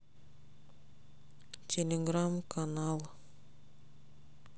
телеграмм канал